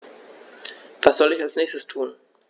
Was soll ich als Nächstes tun?